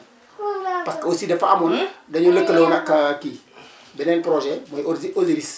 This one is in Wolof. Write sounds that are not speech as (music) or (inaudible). parce que aussi dafa amoon (crosstalk) dañboo lëkkale woon ak (hesitation) kii beneen projet mooy OSI OSIRIS